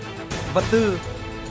vật tư